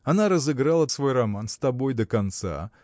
Она разыграла свой роман с тобой до конца